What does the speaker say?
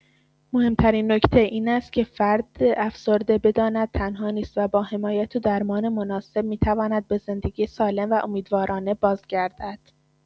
مهم‌ترین نکته این است که فرد افسرده بداند تنها نیست و با حمایت و درمان مناسب می‌تواند به زندگی سالم و امیدوارانه بازگردد.